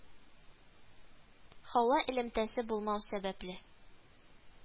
Һава элемтәсе булмау сәбәпле